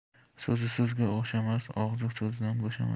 so'zi so'zga o'xshamas og'zi so'zdan bo'shamas